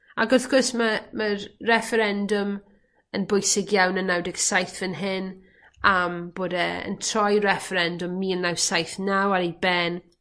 Ag wrth gwrs ma' ma'r refferendwm yn bwysig iawn yn naw deg saith fyn hyn am bod e yn troi refferendwm mil naw saith naw ar i ben.